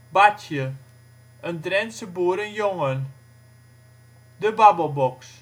Bartje: een Drentse boerenjongen. De Babbelbox